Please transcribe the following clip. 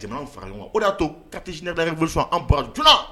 Jama faga o de y'a to katiina dasɔn an bakarijan